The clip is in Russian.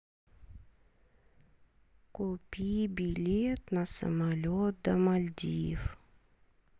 купи билет на самолет до мальдив